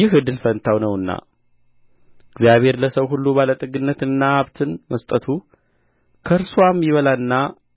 ይህ እድል ፈንታው ነውና እግዚአብሔር ለሰው ሁሉ ባለጠግነትንና ሀብትን መስጠቱ ከእርስዋም ይበላና